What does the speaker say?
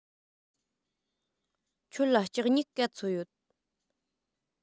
ཁྱོད ལ ལྕགས སྨྱུག ག ཚོད ཡོད